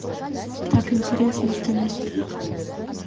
так интересно что не спит